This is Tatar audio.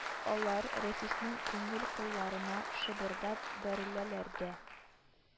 Алар рәфиснең күңел кылларына шыбырдап бәреләләр дә,